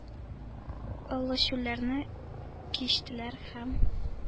Олы чүлләрне кичтеләр һәм